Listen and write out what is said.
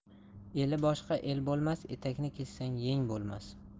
eli boshqa el bo'lmas etakni kessang yeng bo'lmas